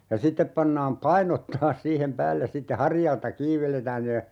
ja sitten pannaan painot taas siihen päälle sitten harjalta kiinni vedetään ne